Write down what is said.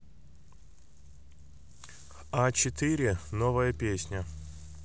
а четыре новая песня